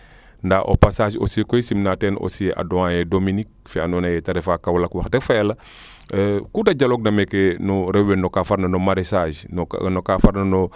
ndaa o passage aussi simna teen a doyen Dominique fe ando naye yeete refa Kaolack wax deg fa yala kuute jaloog na mekee no rewwe no kaa farna no maraichage no ka farna no